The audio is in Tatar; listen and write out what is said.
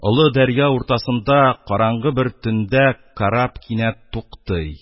Олы дәрья уртасында караңгы бер төндә караб кинәт туктый;